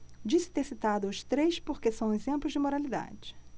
disse ter citado os três porque são exemplos de moralidade